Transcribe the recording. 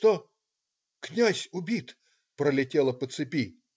что?" - "Князь убит",- пролетело по цепи.